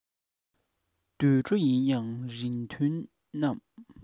དུད འགྲོ ཡིན ཡང རིགས མཐུན རྣམས